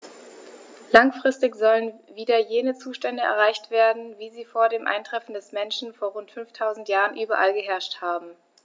Langfristig sollen wieder jene Zustände erreicht werden, wie sie vor dem Eintreffen des Menschen vor rund 5000 Jahren überall geherrscht haben.